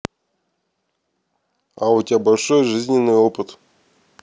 а у тебя большой жизненный опыт